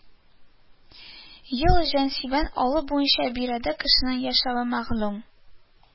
Ел җанисәбен алу буенча биредә кешенең яшәве мәгълүм